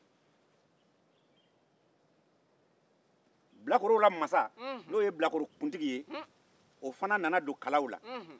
bilakorow la masa nana don kalaw la